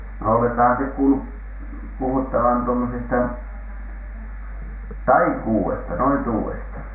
no olettehan te kuullut puhuttavan tuommoisista taikuudesta noituudesta